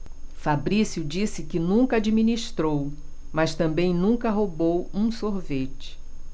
fabrício disse que nunca administrou mas também nunca roubou um sorvete